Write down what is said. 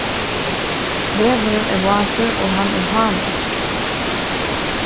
vegurin er vátur og hann er hálur